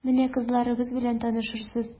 Менә кызларыбыз белән танышырсың...